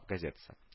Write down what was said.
Газетасы